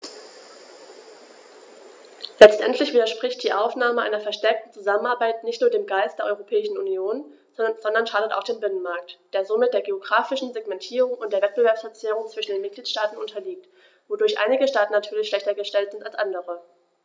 Letztendlich widerspricht die Aufnahme einer verstärkten Zusammenarbeit nicht nur dem Geist der Europäischen Union, sondern schadet auch dem Binnenmarkt, der somit der geographischen Segmentierung und der Wettbewerbsverzerrung zwischen den Mitgliedstaaten unterliegt, wodurch einige Staaten natürlich schlechter gestellt sind als andere.